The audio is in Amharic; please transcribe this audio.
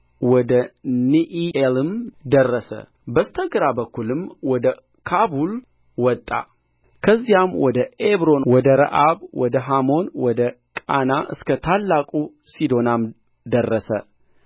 ወደ ንዒኤልም ደረሰ በስተ ግራ በኩልም ወደ ካቡል ወጣ ከዚያም ወደ ዔብሮን ወደ ረአብ ወደ ሐሞን ወደ ቃና እስከ ታላቁ ሲዶናም ደረሰ